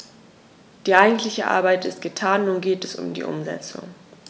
Die eigentliche Arbeit ist getan, nun geht es um die Umsetzung.